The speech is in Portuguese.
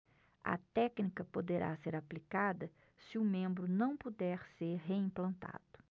a técnica poderá ser aplicada se o membro não puder ser reimplantado